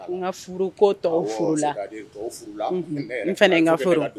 N ka furu ko furu la n fana n ka furu